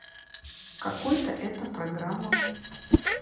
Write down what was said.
какой то это программа